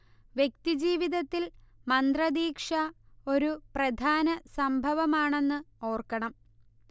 വ്യക്തി ജീവിതത്തിൽ മന്ത്രദീക്ഷ ഒരു പ്രധാന സംഭവമാണെന്ന് ഓർക്കണം